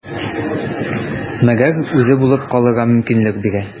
Мәгәр үзе булып калырга мөмкинлек бирә.